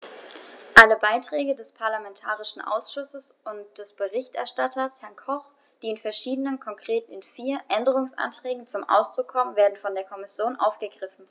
Alle Beiträge des parlamentarischen Ausschusses und des Berichterstatters, Herrn Koch, die in verschiedenen, konkret in vier, Änderungsanträgen zum Ausdruck kommen, werden von der Kommission aufgegriffen.